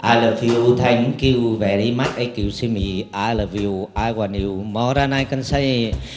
ai lớp iu thanh iu ve ri mắt ếch iu sư mì ai lợp ìu ai quăn ìu mo dan ai can sây